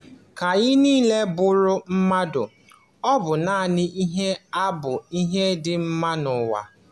Ka anyị niile burụ mmadụ, ọ bụ naanị ihe a bụ ihe dị mma n'ụwa a.